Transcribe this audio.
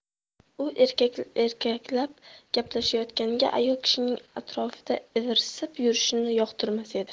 u erkaklar gaplashayotganda ayol kishining atrofda ivirsib yurishini yoqtirmas edi